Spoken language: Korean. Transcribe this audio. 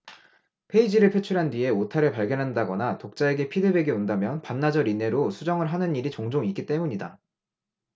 페이지에 표출한 뒤에 오타를 발견한다거나 독자에게 피드백이 온다면 반나절 이내로 수정을 하는 일이 종종 있기 때문이다